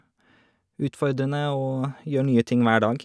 Utfordrende å gjøre nye ting hver dag.